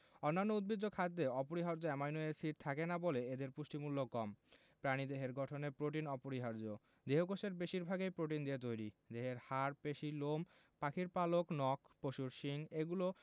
অন্যান্য উদ্ভিজ্জ খাদ্যে অপরিহার্য অ্যামাইনো এসিড থাকে না বলে এদের পুষ্টিমূল্য কম প্রাণীদেহের গঠনে প্রোটিন অপরিহার্য দেহকোষের বেশির ভাগই প্রোটিন দিয়ে তৈরি দেহের হাড় পেশি লোম পাখির পালক নখ পশুর শিং এগুলো